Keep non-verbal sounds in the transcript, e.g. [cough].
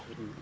[hesitation] [hesitation]